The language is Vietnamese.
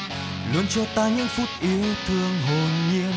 luôn cho ta những phút yêu thương hồn nhiên